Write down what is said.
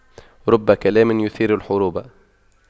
رب كلام يثير الحروب